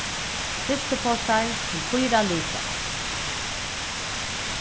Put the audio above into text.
frystiposar til fýra litrar